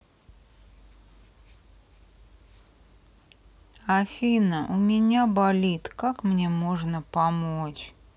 афина у меня болит как мне можно помочь